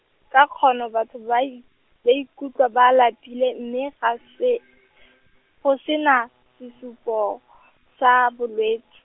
ka kgono batho ba i, ba ikutlwa ba lapile mme ga se, go sena, sesupo, sa bolwets-.